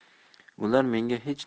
ular menga hech